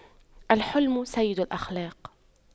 الحِلْمُ سيد الأخلاق